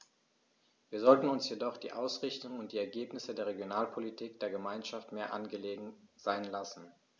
Wir sollten uns jedoch die Ausrichtung und die Ergebnisse der Regionalpolitik der Gemeinschaft mehr angelegen sein lassen.